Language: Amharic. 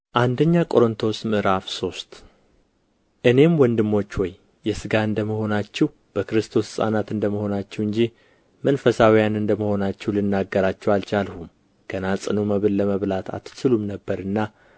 አንደኛ ቆሮንጦስ ምዕራፍ ሶስት እኔም ወንድሞች ሆይ የሥጋ እንደ መሆናችሁ በክርስቶስም ሕፃናት እንደ መሆናችሁ እንጂ መንፈሳውያን እንደ መሆናችሁ ልናገራችሁ አልቻልሁም ገና ጽኑ መብል ለመብላት አትችሉም ነበርና